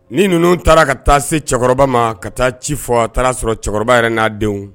Nin ninnu taara ka taa se cɛkɔrɔba ma ka taa ci fɔ a taara sɔrɔ cɛkɔrɔba yɛrɛ n'a denw